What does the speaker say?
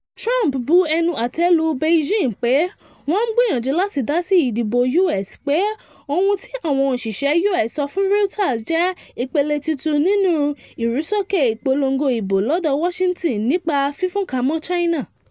Trump bu ẹnu àtẹ́lu Beijing pé wọ́n ń gbìyànjù láti dásí ìdìbò U.S pé ohun tí àwọn òsìsẹ́ U.S sọ fun Reuters jẹ́ ìpele tuntun nínú ìrúsókè ìpòlongo ìbò lọ́dọ Washington nípa fífúnkamọ́ China.